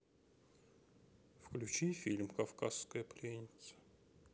включи фильм кавказская пленница